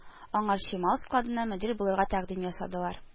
Аңар чимал складына мөдир булырга тәкъдим ясадылар